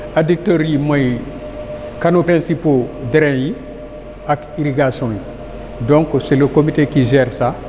addicteurs yi mooy canaux principaux drains yi ak irrigations yi donc c' est le comité qui gère ça